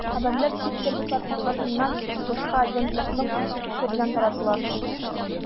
Хәбәрләр чит сервислар катнашыннан башка агентлыкның үз көче белән таратыла.